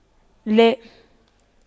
لا